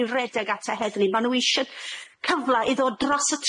i redeg at y heddlu ma' n'w isho cyfla i ddod dros y